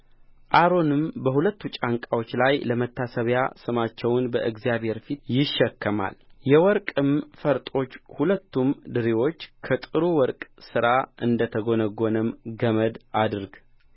አሮንም በሁለቱ ጫንቃዎች ላይ ለመታሰቢያ ስማቸውን በእግዚአብሔር ፊት ይሸከማል የወርቅም ፈርጦች ሁለትም ድሪዎች ከጥሩ ወርቅ ሥራ እንደ ተጐነጐነም ገመድ አድርግ